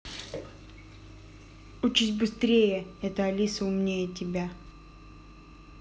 учись быстрее это алиса умнее тебя